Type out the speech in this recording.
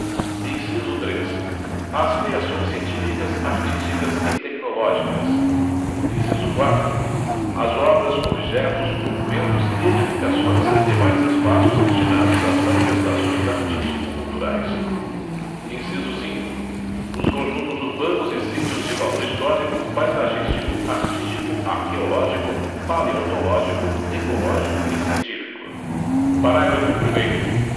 inciso três as criações científicas artísticas e tecnológicas inciso quatro as obras objetos documentos edificações e demais espaços destinados às manifestações artístico culturais inciso cinco os conjuntos urbanos e sítios de valor histórico paisagístico artístico arqueológico paleontológico ecológico e científico parágrafo primeiro